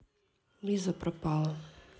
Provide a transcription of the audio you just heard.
лиза пропала